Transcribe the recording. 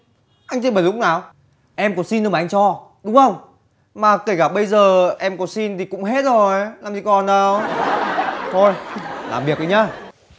anh chơi bẩn lúc nào em có xin đâu mà anh cho đúng không mà kể cả bây giờ em có xin thì cũng hết rồi làm gì còn đâu thôi làm việc đi nhá